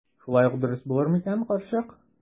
Шулай ук дөрес булыр микән, карчык?